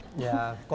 dạ có